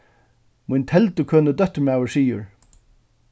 mín teldukøni dótturmaður sigur